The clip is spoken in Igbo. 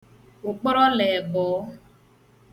ụ̀kpọrọ lè èbọ